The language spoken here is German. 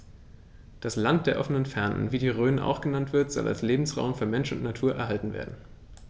Das „Land der offenen Fernen“, wie die Rhön auch genannt wird, soll als Lebensraum für Mensch und Natur erhalten werden.